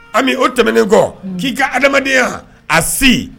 Ami o tɛmɛnen kɔ ki ka adamadenya a si